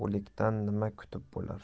o'likdan nima kutib bo'lar